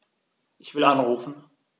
Ich will anrufen.